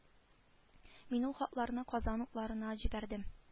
Мин ул хатларны казан утларына җибәрдем